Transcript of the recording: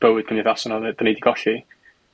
bywyd cymdeithasol 'na 'dyn ni 'di golli.